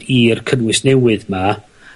i'r cynnwys newydd 'ma